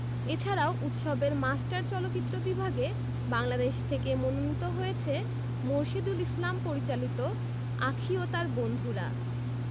এছাড়াও উৎসবের মাস্টার চলচ্চিত্র বিভাগে বাংলাদেশ থেকে মনোনীত হয়েছে মোরশেদুল ইসলাম পরিচালিত আঁখি ও তার বন্ধুরা